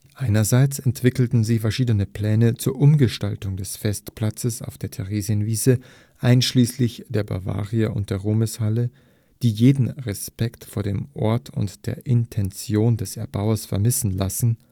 Einerseits entwickelten sie verschiedene Pläne zur Umgestaltung des Festplatzes auf der Theresienwiese einschließlich der Bavaria und der Ruhmeshalle, die jeden Respekt vor dem Ort und der Intention des Erbauers vermissen lassen